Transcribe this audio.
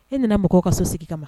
E nana mɔgɔw ka so sigi kama